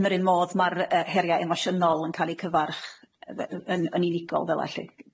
Yn yr un modd ma'r yy heria' emosiynol yn ca'l ei cyfarch yy fy- yn yn unigol fel'a lly.